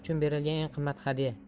uchun berilgan eng qimmat hadya